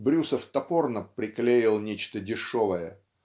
Брюсов топорно приклеил нечто дешевое.